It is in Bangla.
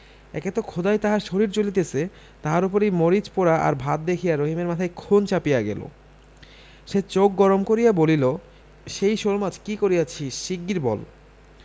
একে তো ক্ষুধায় তাহার শরীর জ্বলিতেছে তাহার উপর এই মরিচ পোড়া আর ভাত দেখিয়া রহিমের মাথায় খুন চাপিয়া গেল সে চোখ গরম করিয়া বলিল সেই শোলমাছ কি করিয়াছি শীগগীর বল